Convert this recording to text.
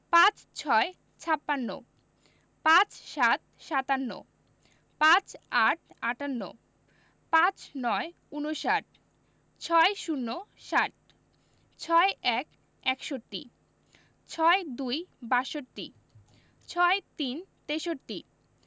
৫৬ – ছাপ্পান্ন ৫৭ – সাতান্ন ৫৮ – আটান্ন ৫৯ - ঊনষাট ৬০ - ষাট ৬১ – একষট্টি ৬২ – বাষট্টি ৬৩ – তেষট্টি